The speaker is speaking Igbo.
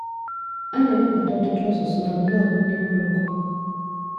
A na-ewebata ọtụtụ asụsụ na blọọgụ ndị Morocco.